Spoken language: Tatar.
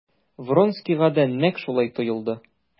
Вронскийга да нәкъ шулай тоелды.